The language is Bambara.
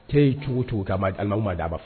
Te ye cogo cogo ka aw ma d'a ma